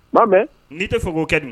Ma' mɛn , n'i tɛ fɛ o ka kɛ don?